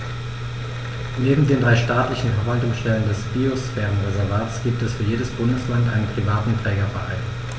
Neben den drei staatlichen Verwaltungsstellen des Biosphärenreservates gibt es für jedes Bundesland einen privaten Trägerverein.